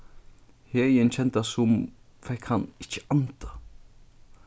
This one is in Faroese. heðin kendi tað sum fekk hann ikki andað